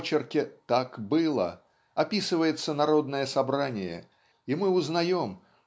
в очерке "Так было" описывается народное собрание и мы узнаем